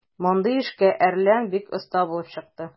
Мондый эшкә "Әрлән" бик оста булып чыкты.